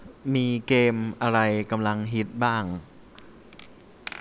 มีเกมอะไรกำลังฮิตบ้าง